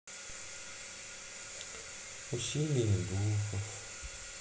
усилие духов